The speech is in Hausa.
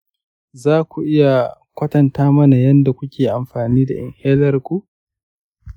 zaku iya kwatanta mana yanda kuke amfani da inhaler ku?